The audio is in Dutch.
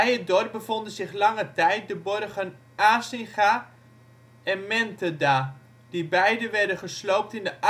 het dorp bevonden zich lange tijd de borgen Asinga en Mentheda, die beiden werden gesloopt in de